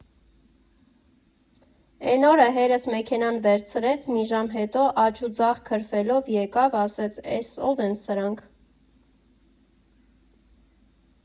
Էն օրը հերս մեքենան վերցրեց, մի ժամ հետո աջուձախ քրֆելով եկավ, ասեց՝ էս ո՜վ են սրանք։